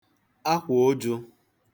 akwà ụjụ̄